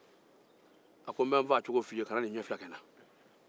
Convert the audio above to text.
a ko kana ni ɲɛ fila ke n la n bɛ n fagacogo fɔ i ye